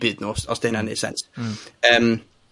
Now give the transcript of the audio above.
byd nw, os os 'di ynna'n neu sense. Hmm. Yym,